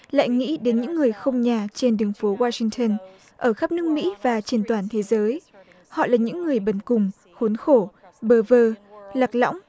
lại nghĩ đến những người không nhà trên đường phố goa sinh từn ở khắp nước mỹ và trên toàn thế giới họ là những người bần cùng khốn khổ bơ vơ lạc lõng